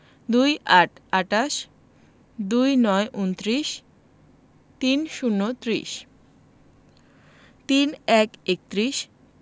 ২৮ আটাশ ২৯ ঊনত্রিশ ৩০ ত্রিশ ৩১ একত্রিশ